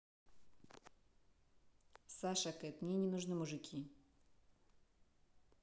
саша кэт мне не нужны мужики